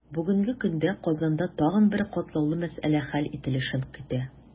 Бүгенге көндә Казанда тагын бер катлаулы мәсьәлә хәл ителешен көтә.